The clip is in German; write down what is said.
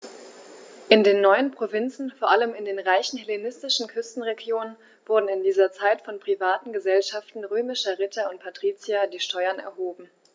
In den neuen Provinzen, vor allem in den reichen hellenistischen Küstenregionen, wurden in dieser Zeit von privaten „Gesellschaften“ römischer Ritter und Patrizier die Steuern erhoben.